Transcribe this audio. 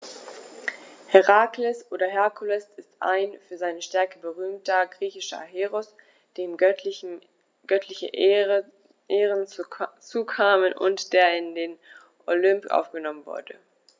Herakles oder Herkules ist ein für seine Stärke berühmter griechischer Heros, dem göttliche Ehren zukamen und der in den Olymp aufgenommen wurde.